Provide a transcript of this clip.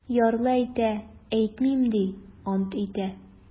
Ярлы әйтә: - әйтмим, - ди, ант итә.